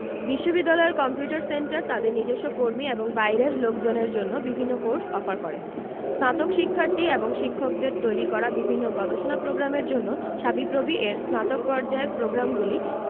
বিশ্ববিদ্যালয়ের computer centre তাদের নিজস্ব কর্মী এবং বাইরের লোকজনের জন্য বিভিন্ন কোর্স অফার করে স্নাতক শিক্ষার্থী এবং শিক্ষকদের তৈরি করা বিভিন্ন গবেষণা প্রোগ্রামের জন্য সাবিপ্রবি এর স্নাতক পর্যায়ের প্রগ্রামগুলি